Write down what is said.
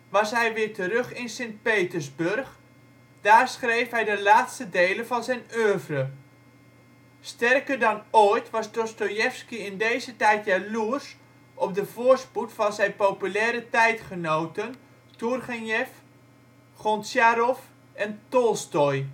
was hij weer terug in Sint-Petersburg; daar schreef hij de laatste delen van zijn oeuvre. Sterker dan ooit was Dostojevski in deze tijd jaloers op de voorspoed van zijn populaire tijdgenoten Toergenjev, Gontsjarov en Tolstoj